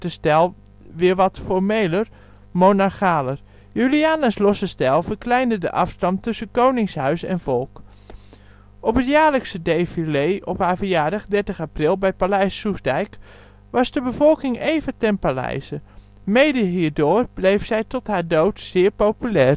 stijl weer wat formeler (" monarchaler "). Juliana 's losse stijl verkleinde de afstand tussen koningshuis en volk. Op het jaarlijkse defilé op haar verjaardag (30 april) bij Paleis Soestdijk was de bevolking even ten paleize. Mede hierdoor bleef zij tot haar dood zeer populair